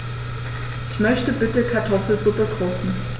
Ich möchte bitte Kartoffelsuppe kochen.